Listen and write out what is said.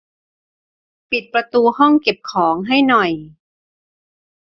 ปิดประตูห้องเก็บของให้หน่อย